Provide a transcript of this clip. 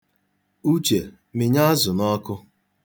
Uche, mịnye azụ n'ọkụ.